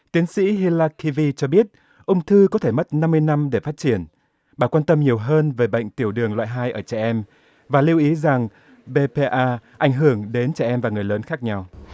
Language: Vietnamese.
tiến sĩ hi la ki vi cho biết ung thư có thể mất năm mươi năm để phát triển bà quan tâm nhiều hơn về bệnh tiểu đường loại hai ở trẻ em và lưu ý rằng bê pê a ảnh hưởng đến trẻ em và người lớn khác nhau